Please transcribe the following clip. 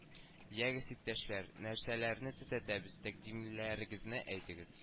Ягез, иптәшләр, нәрсәләрне төзәтәбез, тәкъдимләрегезне әйтегез